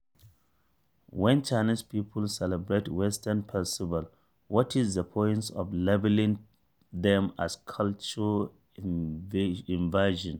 When Chinese people celebrate Western festivals, what's the point of labeling them as culture invasion?